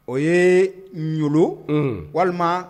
O ye ɲɔlo walima